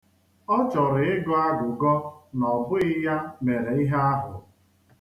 Ọ chọrọ ịgọ agụgọ na ọ bụghị ya mere ihe ahụ.